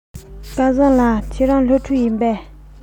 སྐལ བཟང ལགས ཁྱེད རང སློབ ཕྲུག ཡིན པས